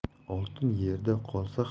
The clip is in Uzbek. oltin yerda qolsa